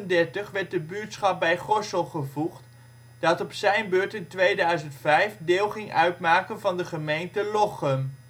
1838 werd de buurtschap bij Gorssel gevoegd dat op zijn beurt in 2005 deel ging uitmaken van de gemeente Lochem